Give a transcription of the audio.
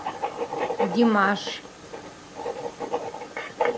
димаш